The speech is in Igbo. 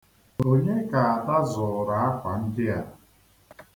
Onye ka Ada zụụrụ akwa ndị a?